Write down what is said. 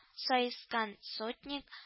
Саескан сотник